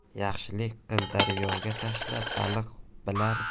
yaxshilik qil daryoga tashla baliq